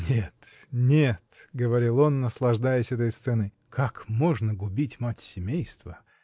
— Нет, нет, — говорил он, наслаждаясь этой сценой, — как можно губить мать семейства!.